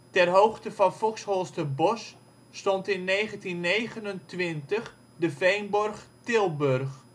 Ter hoogte van Fosholsterbosch stond tot 1929 de veenborg Tilburg